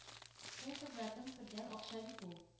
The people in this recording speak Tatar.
Кул хезмәтең кергән акча бит ул.